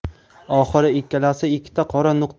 oxiri ikkalasi ikkita qora nuqtaga